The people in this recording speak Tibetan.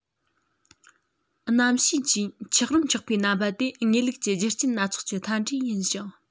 གནམ གཤིས ཀྱི འཁྱགས རོམ ཆགས པའི རྣམ པ དེ དངོས ལུགས ཀྱི རྒྱུ རྐྱེན སྣ ཚོགས ཀྱི མཐའ འབྲས ཡིན ཞིང